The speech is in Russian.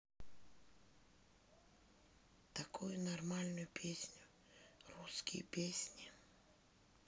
такую нормальную песню русские песни